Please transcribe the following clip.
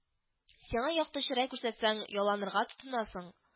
– сиңа якты чырай күрсәтсәң, яланырга тотынасың